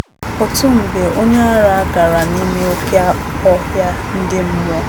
Otu mgbe, onye agha gara n'ime oke ọhịa ndị mmụọ.